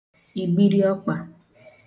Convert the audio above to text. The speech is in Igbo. ìgbiriọkpà